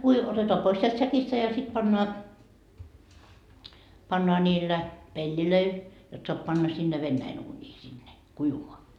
- otetaan pois sieltä säkistä ja sitten pannaan pannaan niillä pelleillä jotta saa panna sinne venäjän uuniin sinne kuivumaan